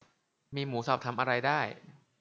มีหมูสับทำอะไรได้